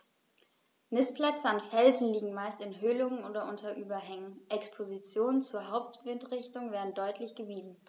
Nistplätze an Felsen liegen meist in Höhlungen oder unter Überhängen, Expositionen zur Hauptwindrichtung werden deutlich gemieden.